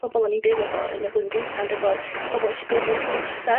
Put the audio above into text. pobol oni'n byw efo yn y flwyddyn gynta' ond efo'r bobol 'nes i gwrdd yn y cymdeithasa'